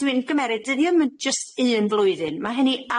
dwi'n gymeryd 'dyn ni 'im yn jyst un flwyddyn ma' hynny